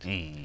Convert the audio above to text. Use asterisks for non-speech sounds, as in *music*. *hesitation* *hesitation*